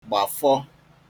gbàfọ